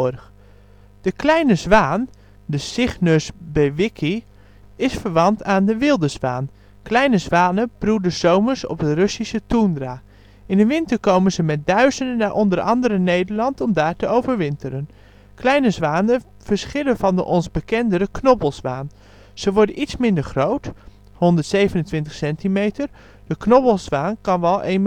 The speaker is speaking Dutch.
De kleine zwaan (Cygnus bewickii) is verwant aan de wilde zwaan. Kleine zwanen broeden ' s zomers op de Russische toendra. In de winter komen ze met duizenden naar onder andere Nederland om daar te overwinteren. Kleine zwanen verschillen van de ons bekendere knobbelzwaan. Ze worden iets minder groot (127 cm). De knobbelzwaan kan wel zo 'n 150